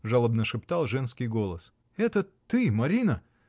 — жалобно шептал женский голос. — Это ты, Марина!